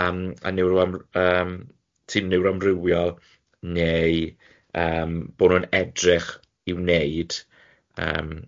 yym a neuro yym sy'n neuro amrywiol, neu yym bod nhw'n edrych i wneud yym.